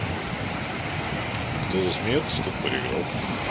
кто засмеется тот проиграл